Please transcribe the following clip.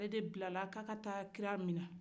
o de bilara k'a ka taa kira minɛ